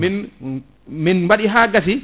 min mine baɗi ha gassi